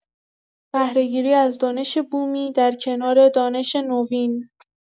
بهره‌گیری از دانش بومی در کنار دانش نوین